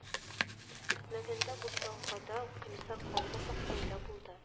Көтмәгәндә бусагада комиссар калмыков пәйда булды